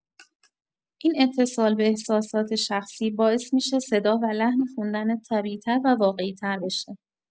این اتصال به احساسات شخصی باعث می‌شه صدا و لحن خوندنت طبیعی‌تر و واقعی‌تر بشه.